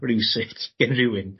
Rywsit. Gen rywun.